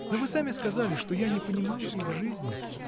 Но вы сами сказали, что я не понимаю их жизни.